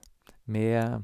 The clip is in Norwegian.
Med...